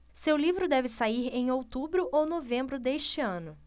seu livro deve sair em outubro ou novembro deste ano